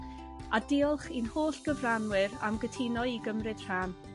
A diolch i'n holl gyfranwyr am gytuno i gymryd rhan.